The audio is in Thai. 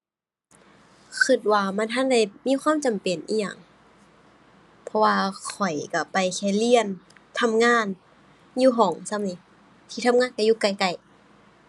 คิดว่ามันทันได้มีความจำเป็นอิหยัง เพราะว่าข้อยคิดไปแค่เรียน ทำงาน อยู่ห้องส่ำนี้ ที่ทำงานคิดอยู่ใกล้ใกล้